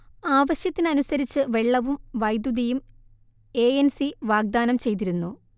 ആവശ്യത്തിനനുസരിച്ച് വെള്ളവും വൈദ്യുതിയും എ എൻ സി വാഗ്ദാനം ചെയ്തിരുന്നു